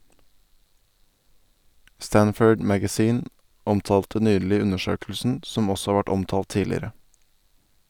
Stanford magazine omtalte nylig undersøkelsen, som også har vært omtalt tidligere.